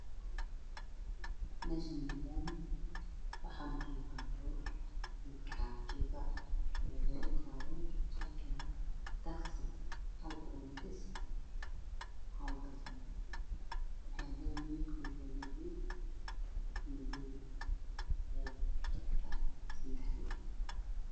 Meshaan wa lami waxa amaraayo babuur midka taksi hak broomakis bajayada midabkoodu waa gaduud madow waxey ledahay sadx lugoood